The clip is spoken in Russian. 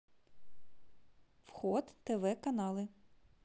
вход тв каналы